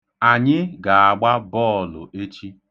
Anyị ga-agba bọọlụ echi.